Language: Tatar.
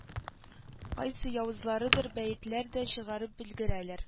Кайсы явызларыдыр бәетләр дә чыгарып өлгерәлә